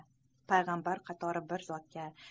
payg'ambar qatori bir zotga